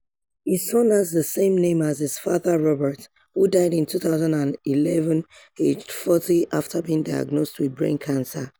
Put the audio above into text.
His son has the same name as his father Robert, who died in 2011 aged 40 after being diagnosed with brain cancer.